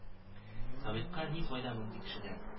Советка ни файда мондый кешедән